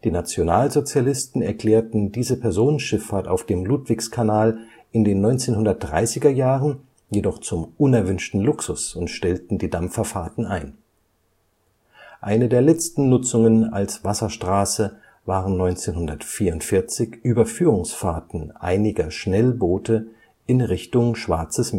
Nationalsozialisten erklärten diese Personenschifffahrt auf dem Ludwigskanal in den 1930er Jahren jedoch zum unerwünschten Luxus und stellten die Dampferfahrten ein. Eine der letzten Nutzungen als Wasserstraße waren 1944 Überführungsfahrten einiger Schnellboote in Richtung Schwarzes